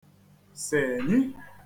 sènyi